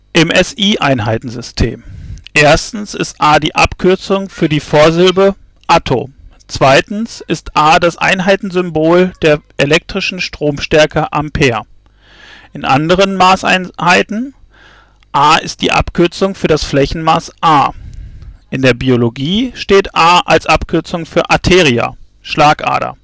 im SI-Einheitensystem ist a die Abkürzung für die Vorsilbe Atto ist A das Einheitensymbol der elektrischen Stromstärke Ampere andere Maßeinheiten a ist die Abkürzung für das Flächenmaß Ar in der Biologie steht A. als Abkürzung für Arteria (Schlagader